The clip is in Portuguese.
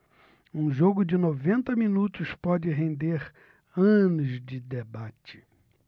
um jogo de noventa minutos pode render anos de debate